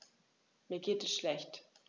Mir geht es schlecht.